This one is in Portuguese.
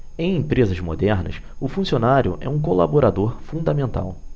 em empresas modernas o funcionário é um colaborador fundamental